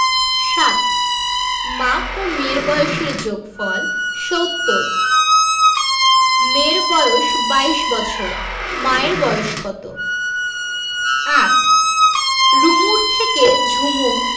৭ মা ও মেয়ের বয়সের যোগফল ৭০ মেয়ের বয়স ২২ বছর মায়ের বয়স কত ৮ রুমুর থেকে ঝুমু